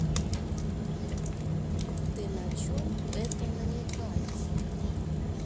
ты на чем это намекаешь